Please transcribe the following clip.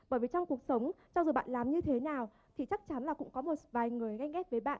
bởi vì trong cuộc sống cho dù bạn làm như thế nào thì chắc chắn là cũng có một vài người ganh ghét với bạn